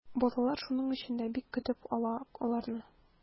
Балалар шуның өчен дә бик көтеп ала аларны.